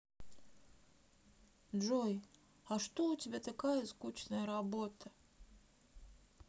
джой а что у тебя такая скучная работа